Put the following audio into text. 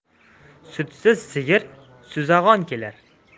sutsiz sigir suzag'on kelar